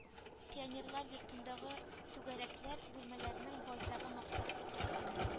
Пионерлар йортындагы түгәрәкләр бүлмәләренең байтагы максатлы файдаланылмый